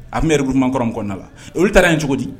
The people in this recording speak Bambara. A tun yɛrɛrdumankɔrɔ kɔnɔnana la o taara yen cogo di